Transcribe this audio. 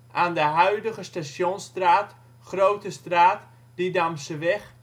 aan de huidige Stationsstraat, Grotestraat, Didamseweg